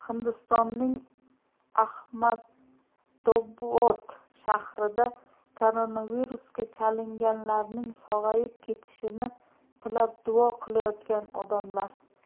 hindistonning ahmadobod shahrida koronavirusga chalinganlarning sog'ayib ketishini tilab duo qilayotgan odamlar